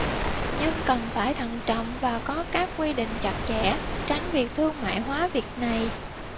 nhưng cần phải thận trọng và có các quy định chặt chẽ tránh việc thương mại hóa việc này